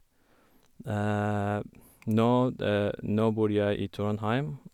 nå Nå bor jeg i Trondheim.